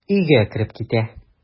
Өйгә кереп китә.